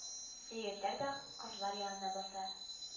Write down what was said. Егетләр дә кызлар янына баса